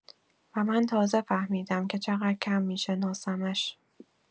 و من تازه فهمیدم که چقدر کم می‌شناسمش.